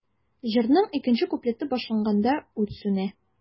Җырның икенче куплеты башланганда, ут сүнә.